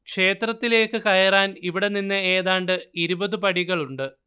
ക്ഷേത്രത്തിലേയ്ക്ക് കയറാൻ ഇവിടെ നിന്ന് ഏതാണ്ട് ഇരുപത് പടികളുണ്ട്